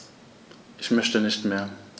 Ich möchte nicht mehr.